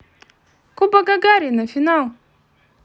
кубок гагарина финал